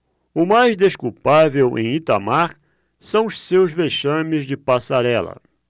o mais desculpável em itamar são os seus vexames de passarela